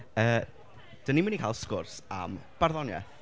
Yy, dyn ni'n mynd i cael sgwrs am barddoniaeth.